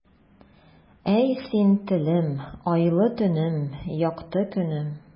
Әй, син, телем, айлы төнем, якты көнем.